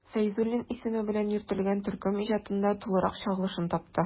Фәйзуллин исеме белән йөртелгән төркем иҗатында тулырак чагылышын тапты.